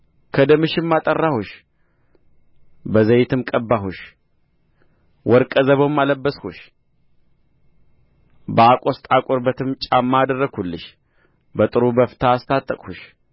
ከደምሽም አጠራሁሽ በዘይትም ቀባሁሽ ወርቀ ዘቦም አለበስሁሽ በአቆስጣ ቁርበትም ጫማ አደረግሁልሽ በጥሩ በፍታ አስታጠቅሁሽ